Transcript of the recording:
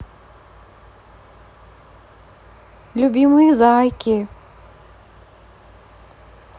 любимые зайки